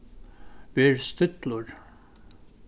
ver stillur